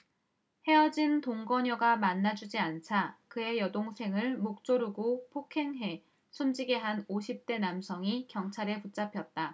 헤어진 동거녀가 만나주지 않자 그의 여동생을 목 조르고 폭행해 숨지게 한 오십 대 남성이 경찰에 붙잡혔다